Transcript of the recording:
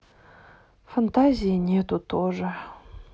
и фантазии нету тоже